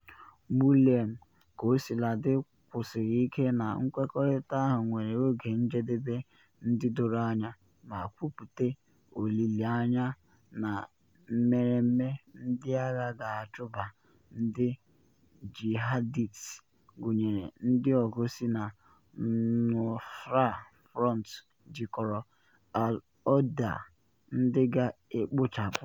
Moualem kaosiladị kwụsịrị ike na nkwekọrịta ahụ nwere “oge njedebe ndị doro anya” ma kwupute olile anya na mmereme ndị agha ga-achụba ndị jihadist gụnyere ndị ọgụ si na Nusra Front jikọrọ al-Qaeda, ndị “ ga-ekpochapụ.”